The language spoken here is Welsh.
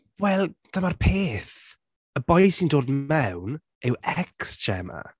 Wel, dyma'r peth. Y boi sy’n dod mewn yw ex Gemma.